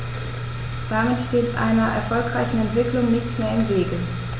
Damit steht einer erfolgreichen Entwicklung nichts mehr im Wege.